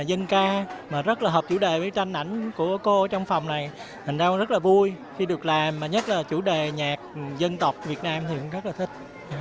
dân ca mà rất là hợp chủ đề vói tranh ảnh của cô trong phòng này thành ra rất là vui khi được làm mà nhất là chủ đề nhạc dân tộc việt nam thì con rất là thích